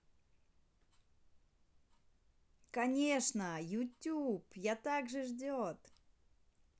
конечно youtube я также ждет